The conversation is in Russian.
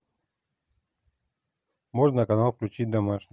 можно канал включить домашний